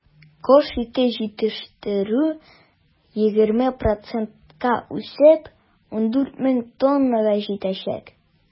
Кош ите җитештерү, 20 процентка үсеп, 14 мең тоннага җитәчәк.